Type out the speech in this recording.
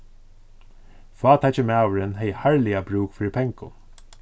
fátæki maðurin hevði harðliga brúk fyri pengum